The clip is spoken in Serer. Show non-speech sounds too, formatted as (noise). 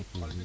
(hesitation) (hesitation)